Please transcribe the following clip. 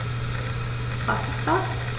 Was ist das?